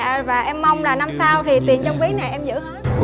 dạ và em mong là năm sau tiền trong ví này em giữ hết